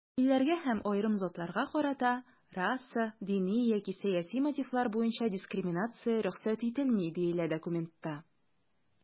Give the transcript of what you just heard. "илләргә һәм аерым затларга карата раса, дини яки сәяси мотивлар буенча дискриминация рөхсәт ителми", - диелә документта.